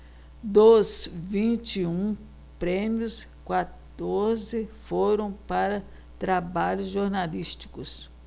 dos vinte e um prêmios quatorze foram para trabalhos jornalísticos